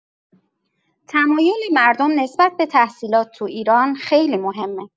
تمایل مردم نسبت به تحصیلات تو ایران خیلی مهمه.